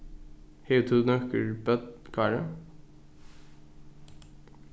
hevur tú nøkur børn kári